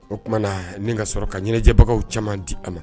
O tumana nin ka sɔrɔ ka ɲɛnajɛbagaw caman di a ma